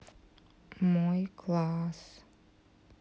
мой класс